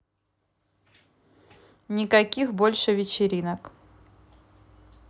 никаких больше вечеринок